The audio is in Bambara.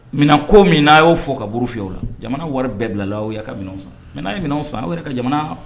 Minɛn ko min n'a y'o fɔ ka buuru fiɲɛ o la jamana wari bɛɛ bila la aw ye aw ka minɛn san mais n'a ye minɛnw san a yɛrɛ ka jamana